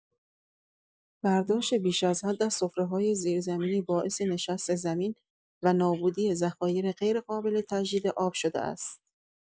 برداشت بیش از حد از سفره‌های زیرزمینی، باعث نشست زمین و نابودی ذخایر غیرقابل تجدید آب شده است.